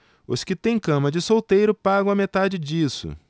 os que têm cama de solteiro pagam a metade disso